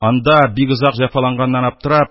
Анда бик озак җәфаланганнан аптырап,